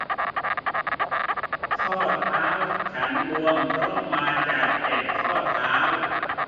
ข้อเท้าฉับบวมเพราะมาจากเจ็บข้อเท้า